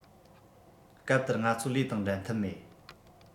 སྐབས དེར ང ཚོ ལས དང འགྲན ཐབས མེད